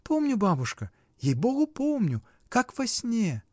— Помню, бабушка, ей-богу, помню, как во сне.